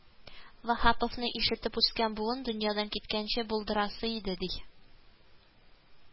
Ваһаповны ишетеп үскән буын дөньядан киткәнче булдырасы иде, ди